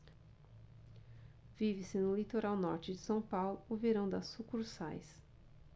vive-se no litoral norte de são paulo o verão das sucursais